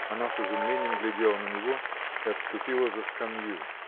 Она с изумлением глядела на него и отступила за скамью.